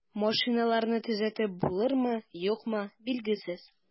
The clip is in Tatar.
Машиналарны төзәтеп булырмы, юкмы, билгесез.